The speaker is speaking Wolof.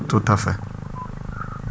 tout à fait